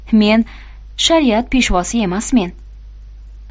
men shariat peshvosi emasmen